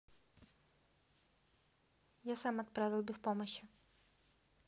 я сам отправил без помощи